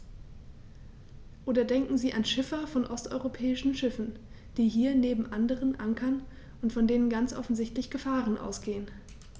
Oder denken Sie an Schiffer von osteuropäischen Schiffen, die hier neben anderen ankern und von denen ganz offensichtlich Gefahren ausgehen.